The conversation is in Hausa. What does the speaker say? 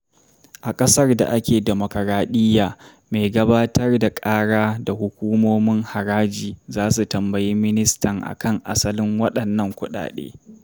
A ƙasar da ake demokoraɗiyya, mai gabatar da ƙara da hukumomin haraji za su tambayi ministan akan asalin waɗannan kuɗaɗe. pic.twitter.com/98809Ef1kM.